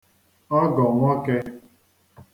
ọgọ̀ nwọke